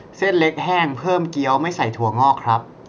เส้นเล็กแห้งเพิ่มเกี๊ยวไม่ใส่ถั่วงอกครับ